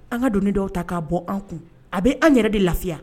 An ka don dɔw ta k'a bɔ an kun a bɛ an yɛrɛ de lafiya